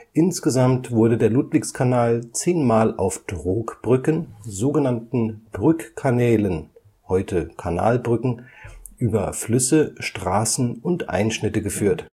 Insgesamt wurde der Ludwigskanal zehnmal auf Trogbrücken, sogenannten Brückkanälen (heute: Kanalbrücken), über Flüsse, Straßen und Einschnitte geführt